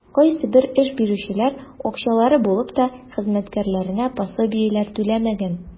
Кайсыбер эш бирүчеләр, акчалары булып та, хезмәткәрләренә пособиеләр түләмәгән.